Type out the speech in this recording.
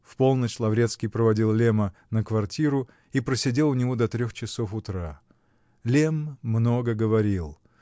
В полночь Лаврецкий проводил Лемма на квартиру и просидел у него до трех часов утра. Лемм много говорил